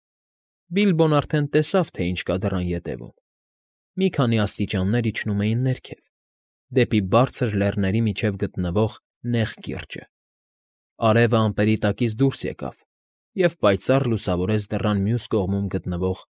Բիլբոն արդեն տեսավ, ինչ կա դռան ետևում, մի քանի աստիճաններ իջնում էին ներքև, դեպի բարձր լեռների միջև գտնվող նեղ կիրճը, արևը ամպերի տակից դուրս եկավ և պայծառ լուսավորեց դռան մյուս կողմում գտնվող։